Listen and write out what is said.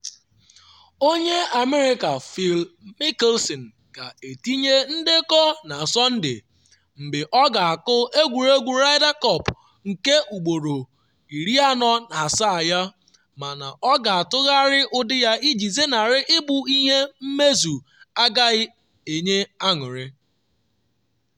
Onye America Phil Mickelson ga-etinye ndekọ na Sọnde mgbe ọ ga-akụ egwuregwu Ryder Cup nke ugboro 47 ya, mana ọ ga-atụgharị ụdị ya iji zenarị ịbụ ihe mmezu agaghị enye anụrị.